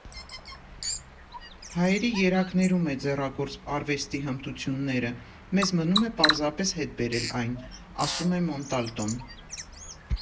«Հայերի երակներում է ձեռագործ արվեստի հմտությունները, մեզ մնում է պարզապես հետ բերել այն», ֊ ասում է Մոնտալտոն։